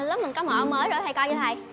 lớp mình có màu áo mới thầy coi chưa thầy